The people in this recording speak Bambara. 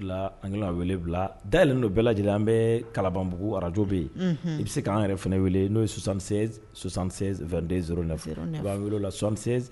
O la an kɛlen don ka wele bila. Da yɛlɛlen don bɛɛ lajɛlen yen. An bɛ kalabanbugu Radio be yen . I bi se kan yɛrɛ fɛnɛ wele no ye 76 76 22 09 . A ban wele o la 76